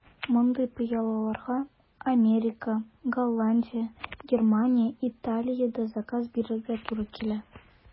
Мондый пыялаларга Америка, Голландия, Германия, Италиядә заказ бирергә туры килә.